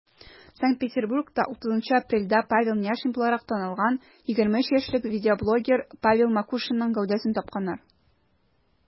Санкт-Петербургта 30 апрельдә Павел Няшин буларак танылган 23 яшьлек видеоблогер Павел Макушинның гәүдәсен тапканнар.